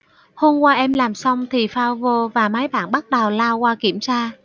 hôm qua em làm xong thì phao vô và mấy bạn bắt đầu lao qua kiểm tra